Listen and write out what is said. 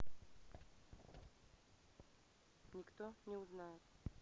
никто не узнает